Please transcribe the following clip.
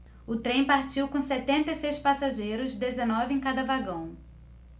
o trem partiu com setenta e seis passageiros dezenove em cada vagão